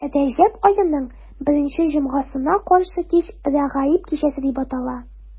Рәҗәб аеның беренче җомгасына каршы кич Рәгаиб кичәсе дип атала.